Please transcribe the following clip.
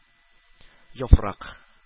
Яфрак